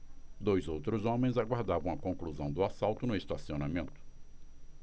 dois outros homens aguardavam a conclusão do assalto no estacionamento